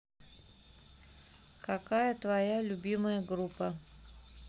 какая твоя любимая группа